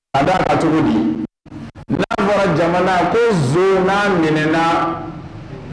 cogo di n'a fɔra jamana ko nson n'a minɛna